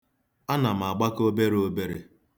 Ana m agbake obere obere.